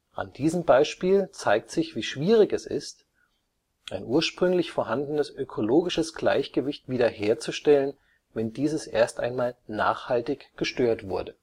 An diesem Beispiel zeigt sich, wie schwierig es ist, ein ursprünglich vorhandenes ökologisches Gleichgewicht wiederherzustellen, wenn dieses erst einmal nachhaltig gestört wurde